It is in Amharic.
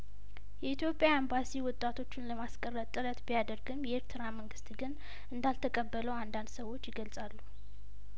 የኢትዮጵያ አምባሲ ወጣቶቹን ለማስቀረት ጥረት ቢያደርግም የኤርትራ መንግስት ግን እንዳልተቀበለው አንዳንድ ሰዎች ይገልጻሉ